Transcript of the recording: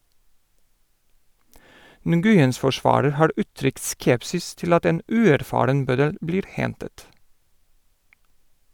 Nguyens forsvarer har uttrykt skepsis til at en uerfaren bøddel blir hentet.